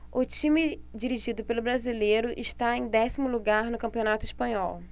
o time dirigido pelo brasileiro está em décimo lugar no campeonato espanhol